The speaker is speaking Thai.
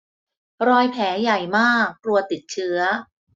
รอยแผลใหญ่มากกลัวติดเชื้อ